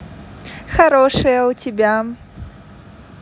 хороший а у тебя